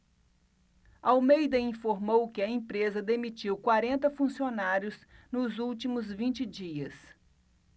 almeida informou que a empresa demitiu quarenta funcionários nos últimos vinte dias